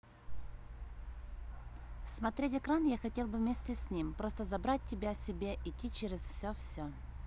смотреть экран я хотел бы вместе с ним просто забрать тебя себе иди через все все